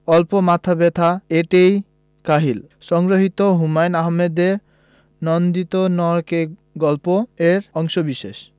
অল্প মাথা ব্যাথা এতেই কাহিল সংগৃহীত হুমায়ুন আহমেদের নন্দিত নরকে গল্প এর অংশবিশেষ